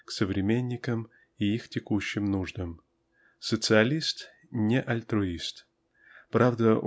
к современникам и их текущим нуждам. Социалист--не альтруист правда